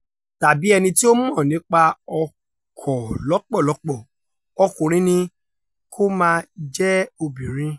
Tàbí ẹni tí ó mọ̀ nípa ọkọ̀ lọ́pọ̀lọpọ̀ – ọkùnrin ni, kó má jẹ̀ ẹ́ obìnrin.